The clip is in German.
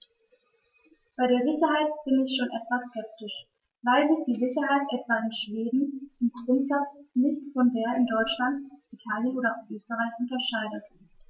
Bei der Sicherheit bin ich schon etwas skeptisch, weil sich die Sicherheit etwa in Schweden im Grundsatz nicht von der in Deutschland, Italien oder Österreich unterscheidet.